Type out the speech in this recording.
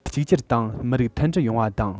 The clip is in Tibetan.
ཅིང མེས རྒྱལ གཅིག གྱུར དང མི རིགས མཐུན སྒྲིལ ཡོང བ དང